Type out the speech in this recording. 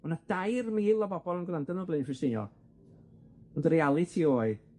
O' 'na dair mil o bobol yn gwrando mewn Blaenau Ffestiniog, ond y realiti oedd,